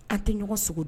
A te ɲɔgɔn sogo d